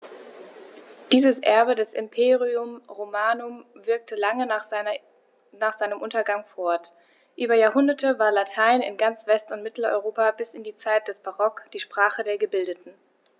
Dieses Erbe des Imperium Romanum wirkte lange nach seinem Untergang fort: Über Jahrhunderte war Latein in ganz West- und Mitteleuropa bis in die Zeit des Barock die Sprache der Gebildeten.